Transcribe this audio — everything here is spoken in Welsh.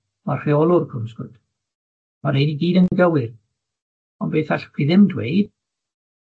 Ma' rheolwr Cwm Sgwt, ma' rhein i gyd yn gywir, ond beth allwch chi ddim dweud